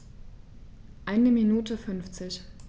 Eine Minute 50